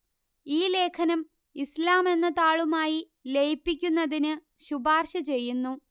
ഈ ലേഖനം ഇസ്ലാം എന്ന താളുമായി ലയിപ്പിക്കുന്നതിന് ശുപാർശ ചെയ്യുന്നു